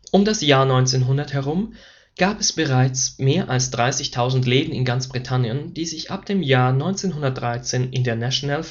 Um das Jahr 1900 herum gab es bereits mehr als 30.000 Läden in ganz Britannien, die sich ab dem Jahre 1913 in der National